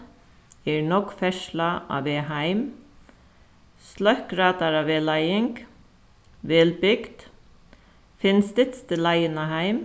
er nógv ferðsla á veg heim sløkk radaravegleiðing vel bygd finn stytstu leiðina heim